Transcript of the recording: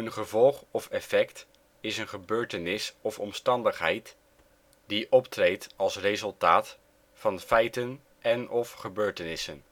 gevolg of effect is een gebeurtenis of omstandigheid die optreedt als resultaat van feiten en/of gebeurtenissen